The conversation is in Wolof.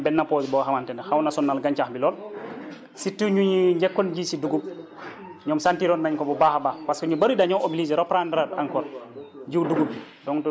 dañu am benn pause boo xamante ne xaw na sonal gàncax bi lool surtout ñi ñuy njëkkoon ji si dugub ñoom sentir nañ ko bu baax a baax parce que ñu bëri dañoo obligé reprendre encore jiw dugub bi